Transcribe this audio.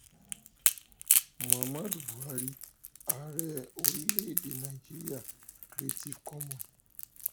Muhammad Buhari, Ààrẹ orílẹ̀-èdè Nàìjíríà. Creative Commons.